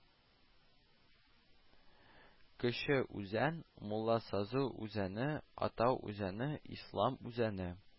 Кече үзән, Мулла сазы үзәне, Атау үзәне, Ислам үзәне